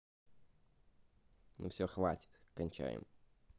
ну все хватит кончаем